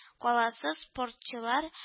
Каласы спортчылар